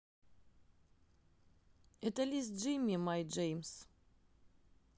это list gimme my джеймс